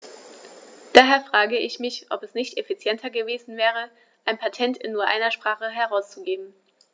Daher frage ich mich, ob es nicht effizienter gewesen wäre, ein Patent in nur einer Sprache herauszugeben.